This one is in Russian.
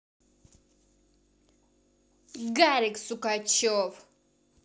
гарик сукачев